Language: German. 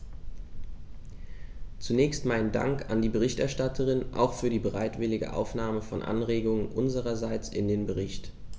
Zunächst meinen Dank an die Berichterstatterin, auch für die bereitwillige Aufnahme von Anregungen unsererseits in den Bericht.